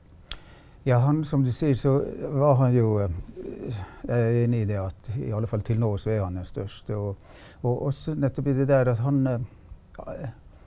ja han som du sier så var han jo jeg er enig i det at i alle fall til nå så er han den største og og også nettopp i det der at han .